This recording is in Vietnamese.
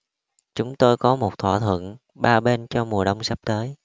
chúng tôi có một thỏa thuận ba bên cho mùa đông sắp tới